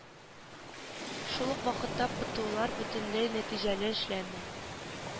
Шук ук вакытта птулар бөтенләй нәтиҗәле эшләми